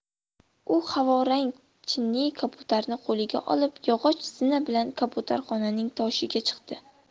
u havorang chiniy kabutarni qo'liga olib yog'och zina bilan kabutarxonaning tomiga chiqdi